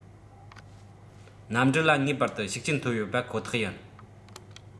གནམ གྲུ ལ ངེས པར དུ ཤུགས རྐྱེན ཐེབས ཡོད པ ཁོ ཐག ཡིན